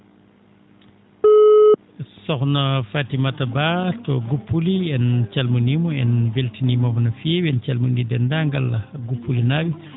sokhna Fatimata Ba to Guppuli en calminii mo en mbeltiniima mo no feewi en calminii deenndaangal Guppuli naa?e